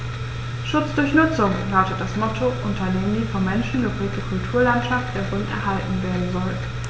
„Schutz durch Nutzung“ lautet das Motto, unter dem die vom Menschen geprägte Kulturlandschaft der Rhön erhalten werden soll.